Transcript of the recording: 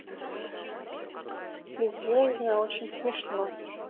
ты звездно очень смешно